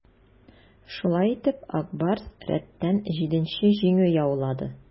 Шулай итеп, "Ак Барс" рәттән җиденче җиңү яулады.